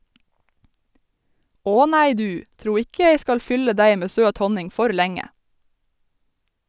Å nei du, tro ikke jeg skal fylle deg med søt honning for lenge.